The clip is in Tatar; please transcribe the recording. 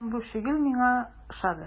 Һәм бу шөгыль миңа ошады.